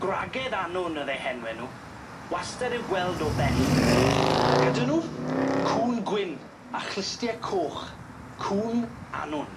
Gwragedd Annwn o'dd eu henwe nw wastad i'w gweld o bell a gyda nw cŵn gwyn a chlustie coch. Cŵn Annwn.